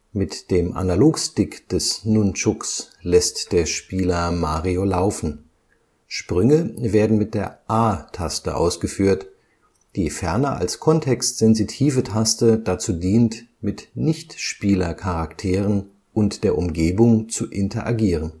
Mit dem Analog-Stick des Nunchuks lässt der Spieler Mario laufen; Sprünge werden mit der A-Taste ausgeführt, die ferner als kontextsensitive Taste dazu dient, mit Nicht-Spieler-Charakteren (NPC) und der Umgebung zu interagieren